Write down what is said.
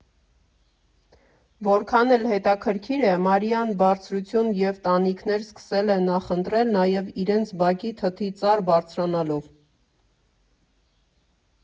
Որքան էլ հետաքրքիր է՝ Մարիան բարձրություն և տանիքներ սկսել է նախընտրել նաև իրենց բակի թթի ծառ բարձրանալով։